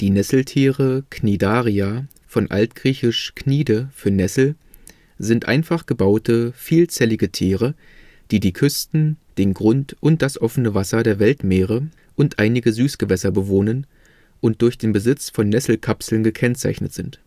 Nesseltiere (Cnidaria; altgr. κνίδη knidē ‚ Nessel ‘) sind einfach gebaute, vielzellige Tiere, die die Küsten, den Grund und das offene Wasser der Weltmeere und einige Süßgewässer bewohnen und durch den Besitz von Nesselkapseln gekennzeichnet sind